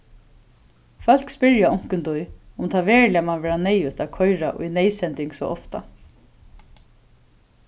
fólk spyrja onkuntíð um tað veruliga man vera neyðugt at koyra í neyðsending so ofta